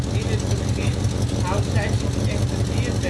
In het begin houdt zij zich echter meer